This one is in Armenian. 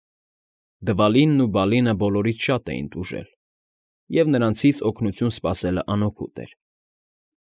Դվալինն ու Բալինը բոլորից շատ էին տուժել, և նրանցից օգնություն սպասելն անօգուտ էր։